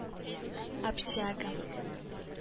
Общага